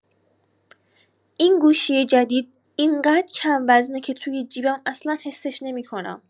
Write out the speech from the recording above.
این گوشی جدید انقدر کم‌وزنه که توی جیبم اصلا حسش نمی‌کنم.